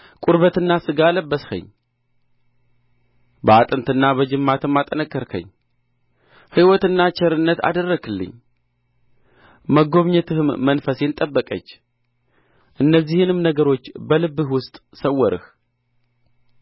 ቁርበትና ሥጋ አለበስኸኝ በአጥንትና በጅማትም አጠንከርኸኝ ሕይወትና ቸርነት አደረግህልኝ መጐብኘትህም መንፈሴን ጠበቀች እነዚህንም ነገሮች በልብህ ውስጥ ሰወርህ